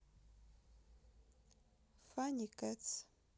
фанни кэтс